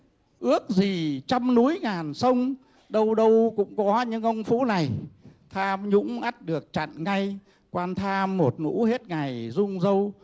ước gì trăm núi ngàn sông đâu đâu cũng có những ông phú này tham nhũng ắt được chặn ngay quan tham một lũ hết ngày rung râu